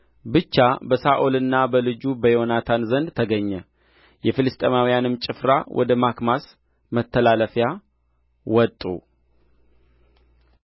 ብቻ በሳኦልና በልጁ በዮናታን ዘንድ ተገኘ የፍልስጥኤማውያንም ጭፍራ ወደ ማክማስ መተላለፊያ ወጡ